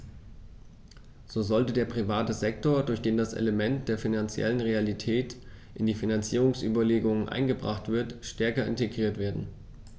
So sollte der private Sektor, durch den das Element der finanziellen Realität in die Finanzierungsüberlegungen eingebracht wird, stärker integriert werden.